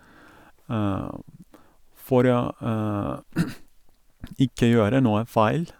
For ikke gjøre noe feil.